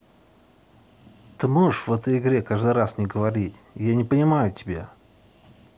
ты можешь в этой игре каждый раз не говорить я не понимаю тебя